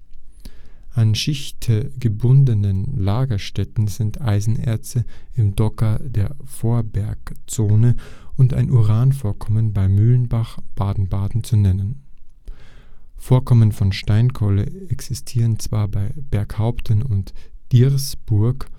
An schichtgebundenen Lagerstätten sind Eisenerze im Dogger der Vorbergzone und ein Uranvorkommen bei Müllenbach/Baden-Baden zu nennen. Vorkommen von Steinkohle existieren zwar bei Berghaupten und Diersburg